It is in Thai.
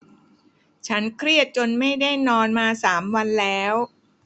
ฉันเครียดจนไม่ได้นอนมาสามวันแล้ว